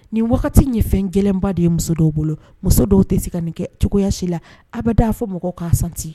Nin wagati ɲɛ fɛn gɛlɛnba de ye muso dɔw bolo muso dɔw tɛ se ka nin kɛ cogoyayasi la a bɛ d' a fɔ mɔgɔ k'a santi